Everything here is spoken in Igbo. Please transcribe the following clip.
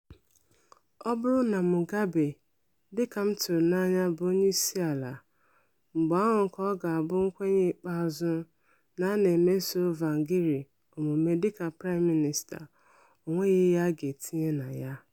Ọ bụrụ na Mugabe, dịka m tụrụ n'anya bụ onyeisiala, mgbe ahụ ka ọ ga-abụ nkwenye ịkpeazụ na a na-emeso Tsvangirai omume dịka Praịm Mịnịsta, o nweghi ihe a ga-etinye na ya.